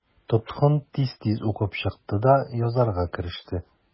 Тоткын тиз-тиз укып чыкты да язарга кереште.